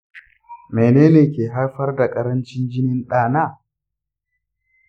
menene ke haifar da ƙarancin jinin ɗana?